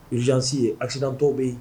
Zsi ye asi tɔw bɛ yen